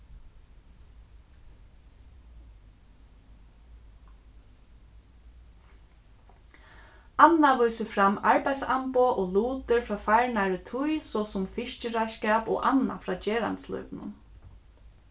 annað vísir fram arbeiðsamboð og lutir frá farnari tíð so sum fiskireiðskap og annað frá gerandislívinum